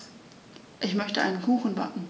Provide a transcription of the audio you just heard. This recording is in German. Ich möchte einen Kuchen backen.